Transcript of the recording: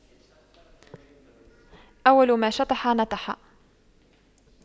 أول ما شطح نطح